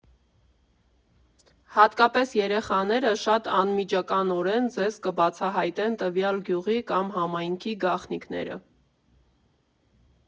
Հատկապես երեխաները շատ անմիջականորեն ձեզ կբացահայտեն տվյալ գյուղի կամ համայնքի գաղտնիքները։